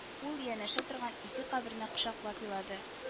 Ул янәшә торган ике каберне кочаклап елады